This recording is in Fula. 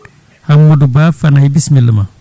HammadouBa Fanaye bisimilla ma